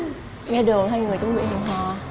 nghe đồn hai người chuẩn bị hẹn hò